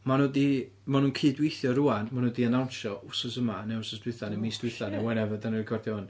Ma' nhw 'di... ma' nhw'n cydweithio rŵan, ma' nhw 'di anawnsio wsos yma neu wsos dwytha neu mis ddiwetha' neu whenever dan ni'n recordio hwn.